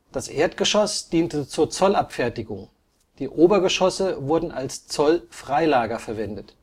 Das Erdgeschoss diente zur Zollabfertigung, die Obergeschosse wurden als Zollfreilager verwendet